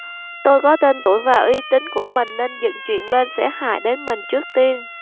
tôi có tên tuổi và uy tín của mình nên dựng chuyện lên sẽ hại đến mình trước tiên